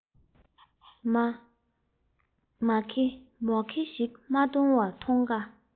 མ གེ མོག གེ ཞིག མ གཏོགས མཐོང དཀའ